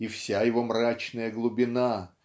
и вся его мрачная глубина